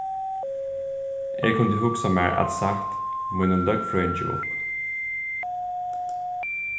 eg kundi hugsað mær at sagt mínum løgfrøðingi upp